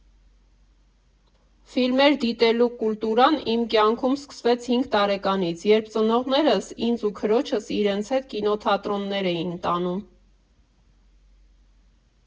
Ֆիլմեր դիտելու կուլտուրան իմ կյանքում սկսվեց հինգ տարեկանից, երբ ծնողներս ինձ ու քրոջս իրենց հետ կինոթատրոններ էին տանում։